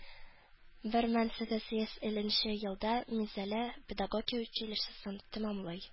Бер мең сигез йөз илленче елда Минзәлә педагогия училищесын тәмамлый